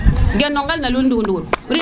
gen no gel ne lul ndundur